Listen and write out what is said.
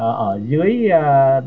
ở dưới ơ